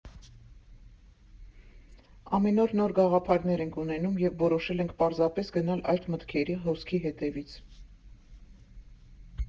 Ամեն օր նոր գաղափարներ ենք ունենում, և որոշել ենք պարզապես գնալ այդ մտքերի հոսքի հետևից։